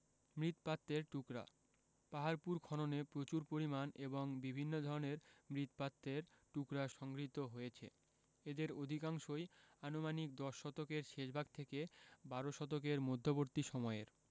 মুৎপাত্রের টুকরাঃ পাহাড়পুর খননে প্রচুর পরিমাণ এবং বিভিন্ন ধরনের মৃৎপাত্রের টুকরা সংগৃহীত হয়েছে এদের অধিকাংশই আনুমানিক দশ শতকের শেষভাগ থেকে বারো শতকের মধ্যবর্তী সময়ের